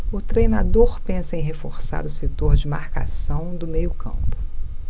o treinador pensa em reforçar o setor de marcação do meio campo